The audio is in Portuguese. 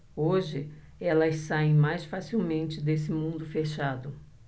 hoje elas saem mais facilmente desse mundo fechado